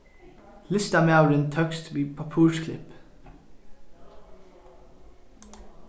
listamaðurin tókst við pappírsklipp